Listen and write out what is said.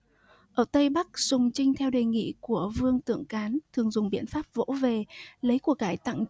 ở phía tây bắc sùng trinh theo đề nghị của vương tượng cán thường dùng biện pháp vỗ về lấy của cải tặng